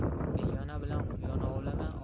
begona bilan quyon ovlama